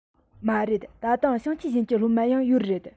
མ རེད ད དུང ཞིང ཆེན གཞན གྱི སློབ མ ཡང ཡོད རེད